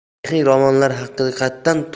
tarixiy romanlar haqiqatdan